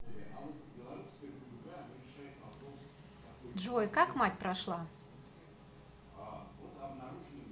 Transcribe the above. джой как мать прошла